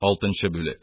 Алтынчы бүлек